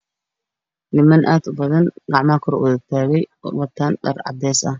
Niman aad ubadan gacmaha kor uwada taagay wataan dhar cadees ah